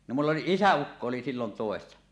no minulla oli isäukko oli silloin töissä